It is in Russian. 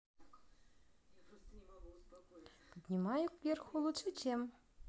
поднимаю кверху лучше чем